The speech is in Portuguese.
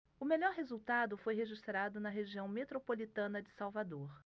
o melhor resultado foi registrado na região metropolitana de salvador